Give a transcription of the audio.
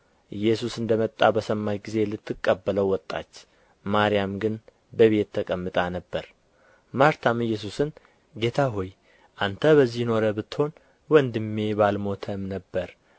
ኢየሱስ እንደ መጣ በሰማች ጊዜ ልትቀበለው ወጣች ማርያም ግን በቤት ተቀምጣ ነበር ማርታም ኢየሱስን ጌታ ሆይ አንተ በዚህ ኖረህ ብትሆን ወንድሜ ባልሞተም ነበር